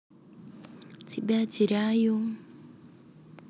тебя теряю